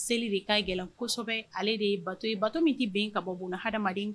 Seli de ka gɛlɛn kosɛbɛ ale de ye bato ye bato min tɛ bin ka bɔ buna adamaden kan